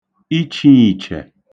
ichīìchè